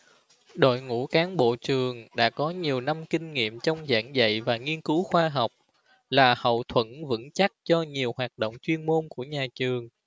đội ngũ cán bộ trường đã có nhiều năm kinh nghiệm trong giảng dạy và nghiên cứu khoa học là hậu thuẫn vững chắc cho nhiều hoạt động chuyên môn của nhà trường